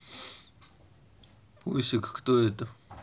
пусик кто это